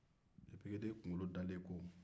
yefegeden kunkolo dalen ko